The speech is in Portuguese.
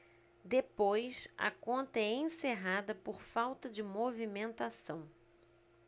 depois a conta é encerrada por falta de movimentação